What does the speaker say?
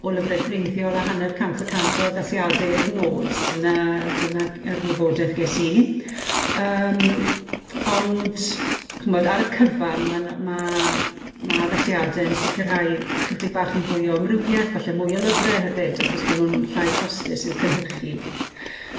o lyfre gwreiddiol a hanner cant y cant o addasiade yw'r nod, dyna dyna g- yr wybodeth ges i. Yym ond chimod ar y cyfan ma' n- ma' ma' addasiade'n sicirhau ychydig bach yn fwy o amrywieth, falle mwy o lyfre hefyd, achos bo nw'n llai costus i'w cynhyrchu.